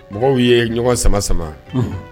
Mɔgɔw ye ɲɔgɔn sama sama, unhun.